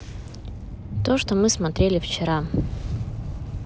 то что мы смотрели вчера